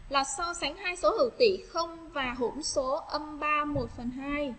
so sánh hai số hữu tỉ không và hỗn số